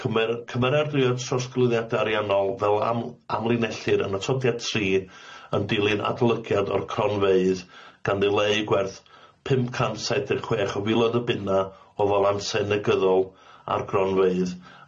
Cymer cymeradwyo trosglwyddiade ariannol fel am- amlinellir yn atodiad tri yn dilyn adolygiad o'r cronfeydd gan ddileu gwerth pum cant sai deg chwech o filoedd o bunna o ddolansau negyddol ar gronfeydd